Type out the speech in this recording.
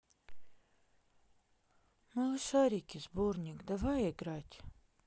малышарики сборник давай играть